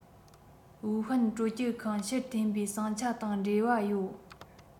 ཝུའུ ཧན སྤྲོ སྐྱིད ཁང ཕྱིར འཐེན པའི ཟིང ཆ དང འབྲེལ བ ཡོད